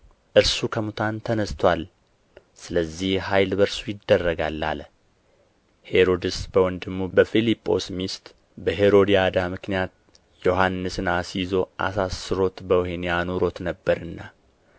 እርሱ ከሙታን ተነሥቶአል ስለዚህም ኃይል በእርሱ ይደረጋል አለ ሄሮድስ በወንድሙ በፊልጶስ ሚስት በሄሮድያዳ ምክንያት ዮሐንስን አስይዞ አሳስሮት በወህኒ አኑሮት ነበርና